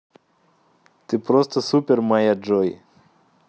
ты просто супер моя джой